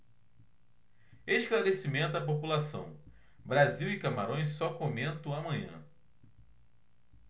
esclarecimento à população brasil e camarões só comento amanhã